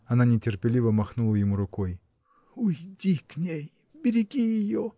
Она нетерпеливо махнула ему рукой. — Уйди к ней, береги ее!